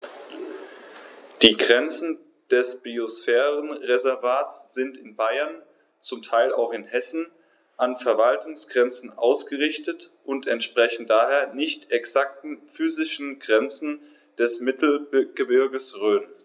Die Grenzen des Biosphärenreservates sind in Bayern, zum Teil auch in Hessen, an Verwaltungsgrenzen ausgerichtet und entsprechen daher nicht exakten physischen Grenzen des Mittelgebirges Rhön.